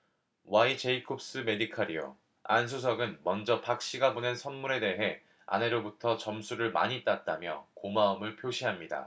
와이제이콥스메디칼이요 안 수석은 먼저 박 씨가 보낸 선물에 대해 아내로부터 점수를 많이 땄다며 고마움을 표시합니다